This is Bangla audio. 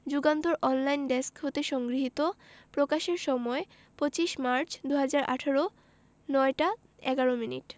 যুগান্তর অনলাইন ডেস্ক হতে সংগৃহীত প্রকাশের সময় ২৫ মার্চ ২০১৮ ০৯ টা ১১ মিনিট